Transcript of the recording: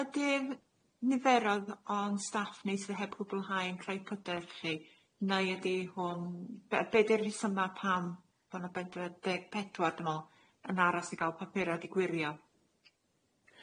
Ydi'r niferodd o'n staff ni sydd heb gwblhau'n creu' pryder chi, neu ydi hwn be- be' di'r rhesymau pam bo' na bedwar deg pedwar dwi me'wl yn aros i ga'l papura' di gwirio?